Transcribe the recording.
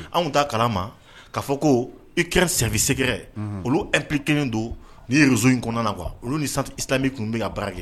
Anw ta kala ma ka fɔ ko i kɛra sɛsɛgɛrɛ olup kelen don n'i yez in kɔnɔna na wa olu tanmi kun bɛ ka baara kɛ